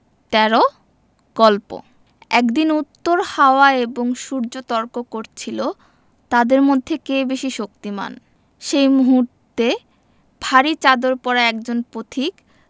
১৩ গল্প একদিন উত্তর হাওয়া এবং সূর্য তর্ক করছিল তাদের মধ্যে কে বেশি শক্তিমান সেই মুহূর্তে ভারি চাদর পরা একজন পথিক